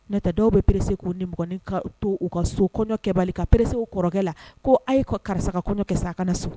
Neta dɔw bɛ perese k'u nikin ka to u ka so kɔɲɔkɛbali ka perese u kɔrɔkɛ la ko a y'i ka karisa ka kɔɲɔ kɛs a ka na so